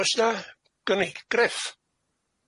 Oes 'na gynig- Griff?